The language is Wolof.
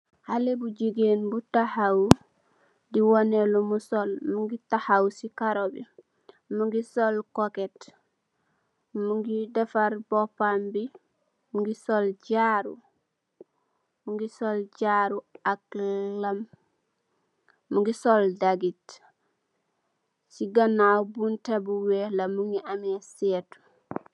Xalé bu jigéen bu taxaw di wane lum sol, taxaw si karo bi. Mu ngi sol kooket, mu ngi defar boopam bi, mu ngi sol jaaru, mu ngi sol jaaru ak lam. Mu ngi sol daggit. Si ganaaw, bunta bu weex la, mu ngi amee séétu.